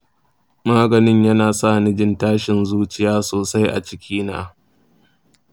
maganin yana sa ni jin tashin zuciya sosai a cikina.